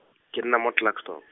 ke nna mo Klerksdorp.